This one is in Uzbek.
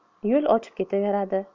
yo'l ochib ketaveradi